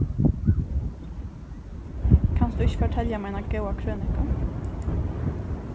kanst tú ikki fortelja mær eina góða krøniku